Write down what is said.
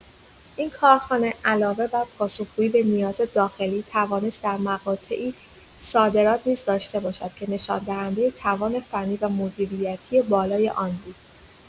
این کارخانه علاوه بر پاسخ‌گویی به نیاز داخلی، توانست در مقاطعی صادرات نیز داشته باشد که نشان‌دهنده توان فنی و مدیریتی بالای آن بود.